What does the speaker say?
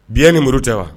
Bi ni muru tɛ wa